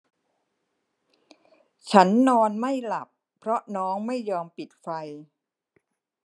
ฉันนอนไม่หลับเพราะน้องไม่ยอมปิดไฟ